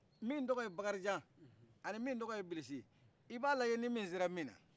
min tɔgɔ ye bakarijan ani min tɔgɔ ye bilisi i b'a lajɛ ni min sera min na